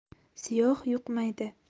siyoh yuqmaydi